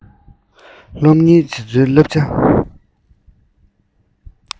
སློབ གཉེར བྱེད ཚུལ བསླབ བྱ